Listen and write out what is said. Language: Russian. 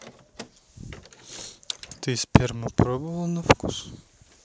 ты сперму пробовала на вкус